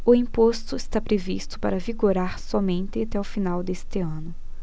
o imposto está previsto para vigorar somente até o final deste ano